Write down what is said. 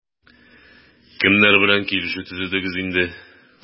Кемнәр белән килешү төзедегез инде?